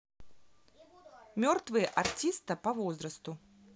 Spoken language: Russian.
мертвые артиста по возрасту